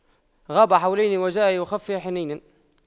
غاب حولين وجاء بِخُفَّيْ حنين